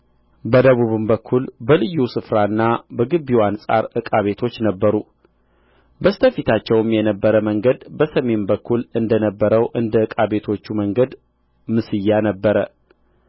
በደቡብም በኩል በልዩው ስፍራና በግቢው አንጻር ዕቃ ቤቶች ነበሩ በስተ ፊታቸውም የነበረ መንገድ በሰሜን በኩል እንደ ነበረው እንደ ዕቃ ቤቶቹ መንገድ ምስያ ነበረ